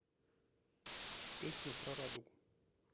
песня про радугу